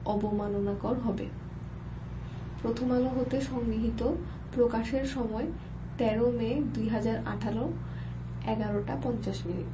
অবমাননাকর হবে প্রথম আলো হতে সংগৃহীত প্রকাশের সময় ১৩ মে ২০১৮ ১১ টা ৫০ মিনিট